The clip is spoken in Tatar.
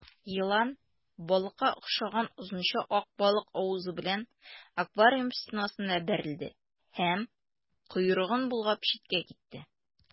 Елан балыкка охшаган озынча ак балык авызы белән аквариум стенасына бәрелде һәм, койрыгын болгап, читкә китте.